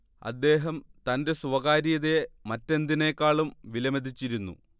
അദ്ദേഹം തന്റെ സ്വകാര്യതയെ മറ്റെന്തിനേക്കാളും വിലമതിച്ചിരുന്നു